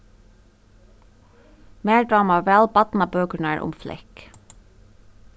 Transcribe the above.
mær dámar væl barnabøkurnar um flekk